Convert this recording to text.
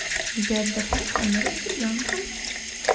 где отдохнуть на море с ребенком